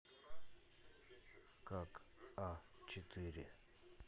как а четыре